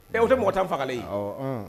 Dɛ o tɛ mɔgɔ tan faga